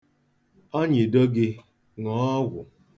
Ọ nyịdo gị, ṅụọ ọgwụ.